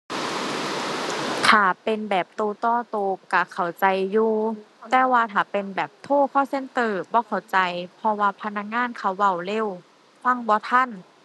ถ้าเป็นแบบตัวต่อตัวตัวเข้าใจอยู่ แต่ว่าถ้าเป็นแบบโทร call center บ่เข้าใจ เพราะว่าพนักงานเขาเว้าเร็ว ฟังบ่ทัน